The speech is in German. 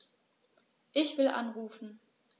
Ich will anrufen.